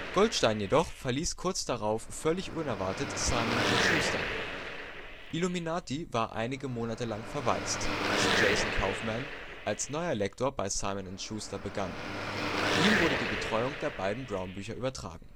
Goldstein jedoch verließ kurz darauf völlig unerwartet Simon & Schuster. Illuminati war einige Monate lang „ verwaist “, bis Jason Kaufman als neuer Lektor bei Simon & Schuster begann; ihm wurde die Betreuung der beiden Brown-Bücher übertragen